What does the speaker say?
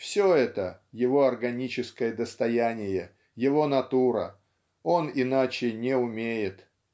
все это его органическое достояние, его натура он иначе не умеет.